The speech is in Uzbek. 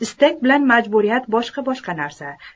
istak bilan majburiyat boshqa boshqa narsa